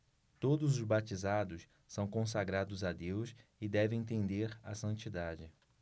todos os batizados são consagrados a deus e devem tender à santidade